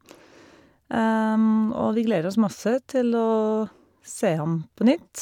Og vi gleder oss masse til å se ham på nytt.